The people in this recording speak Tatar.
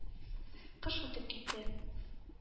Кыш үтеп китте.